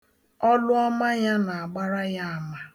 Ọrụọma ya na-agbara ya ama